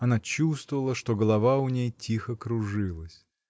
она чувствовала, что голова у ней тихо кружилась.